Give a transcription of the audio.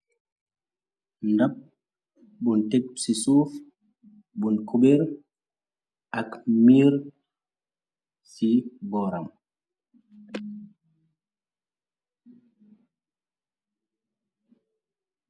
Li nak bowl ték ci suuf, bowl cober ak mirr ci boram.